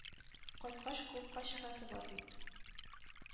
Кайткач, клубка чыгасы бар бит.